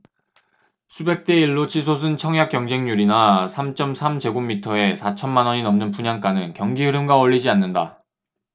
수백 대 일 로 치솟은 청약 경쟁률이나 삼 쩜 삼 제곱미터에 사천 만원이 넘은 분양가는 경기흐름과 어울리지 않는다